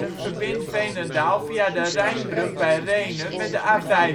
verbindt Veenendaal via de Rijnbrug bij Rhenen met de A15